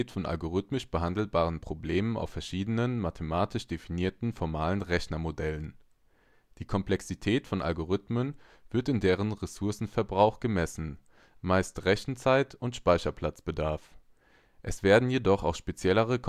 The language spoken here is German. von algorithmisch behandelbaren Problemen auf verschiedenen mathematisch definierten formalen Rechnermodellen. Die Komplexität von Algorithmen wird in deren Ressourcenverbrauch gemessen, meist Rechenzeit oder Speicherplatzbedarf. Es werden jedoch auch speziellere